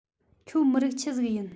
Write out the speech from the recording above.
ཁྱོད མི རིགས ཆི ཟིག ཡིན